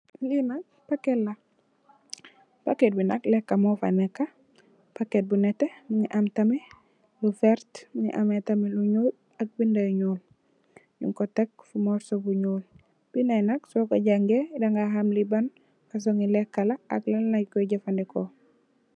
Li nak packet la packet bi nak leka mofa neka packet bu netex mongi am tamit lu vertax mu ame tamit lu nuul ak binda yu nuul ay nyun ko teg si morso bu nuul bindai nak soko jangeh da nga xam lee ban fosongi leka ak lan len koi jefendeko.